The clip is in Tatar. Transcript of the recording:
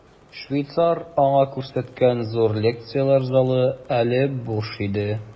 Швейцар аңа күрсәткән зур лекцияләр залы әле буш иде.